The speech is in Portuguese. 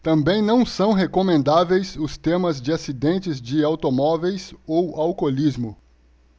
também não são recomendáveis os temas de acidentes de automóveis ou alcoolismo